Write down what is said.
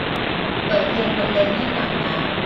เปิดเพลงบรรเลงให้หน่อยนะ